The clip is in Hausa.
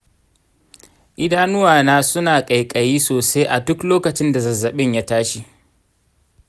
idanunwa na suna kaikayi sosai a duk lokacin da zazzaɓin ya tashi.